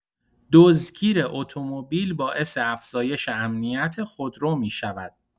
دزدگیر اتومبیل باعث افزایش امنیت خودرو می‌شود.